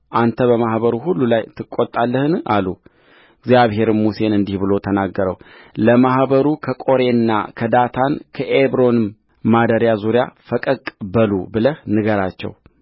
አንተ በማኅበሩ ሁሉ ላይ ትቈጣለህን አሉእግዚአብሔርም ሙሴን እንዲህ ብሎ ተናገረውለማኅበሩ ከቆሬና ከዳታን ከአቤሮንም ማደሪያ ዙሪያ ፈቀቅ በሉ ብለህ ንገራቸው